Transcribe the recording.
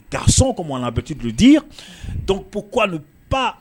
garçon comme on avait l'habitude de le dire donc, pourquoi ne pas ?